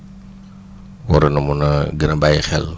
waroon na mun a gën a bàyyi xel